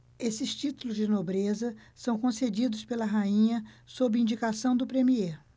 esses títulos de nobreza são concedidos pela rainha sob indicação do premiê